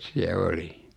siellä olin